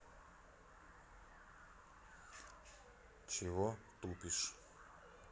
чего тупишь